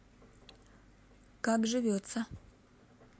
как живется